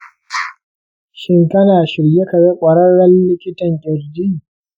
shin kana shirye ka ga ƙwararren likitan ƙirji?